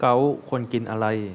เก๊าท์ควรกินอะไร